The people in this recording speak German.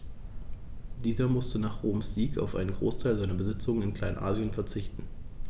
Dieser musste nach Roms Sieg auf einen Großteil seiner Besitzungen in Kleinasien verzichten.